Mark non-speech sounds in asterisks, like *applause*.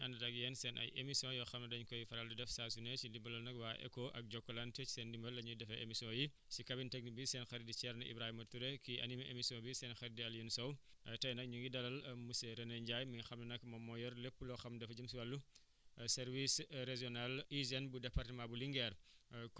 dañuy àndaat ak yéen seen ay émissions yoo xam ne dañu koy faral di def saa su ne si ndimbalu nag waa ECHO ak Jokalante seen ndimbal la ñuy defee émission yi si cabine technique bi seen xarit di Thierno Ibrahima Touré kiy animé émission bi seen xarit di Alioune sow tey nag ñu ngi dalal monsieur René Ndiaye mi nga xam ne nag moom moo yor lépp loo xam dafa jëm si wàllu service régional hygène bu département bu Linguère *breath*